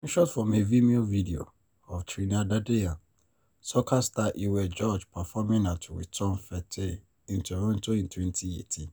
Screenshot from a Vimeo video of Trinidadian soca star Iwer George performing at Return Fête in Toronto in 2018.